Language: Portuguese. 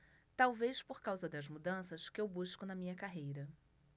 talvez por causa das mudanças que eu busco na minha carreira